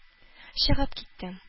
Чыгып китте